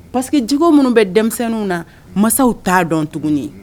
Parce que jogo minnu bɛ deminsɛnninw na, masaw t'a dɔn tuguni